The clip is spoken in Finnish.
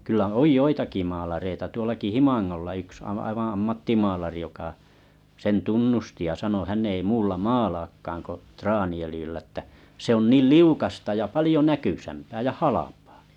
kyllä on joitakin maalareita tuollakin Himangalla yksi - aivan ammattimaalari joka sen tunnusti ja sanoi hän ei muulla maalaakaan kuin traaniöljyllä että se on niin liukasta ja paljon näkyisämpää ja halpaa